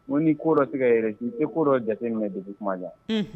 N nii ko se ka yɛrɛ ji i ko jate minɛ de bɛ kuma na